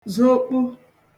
zokpu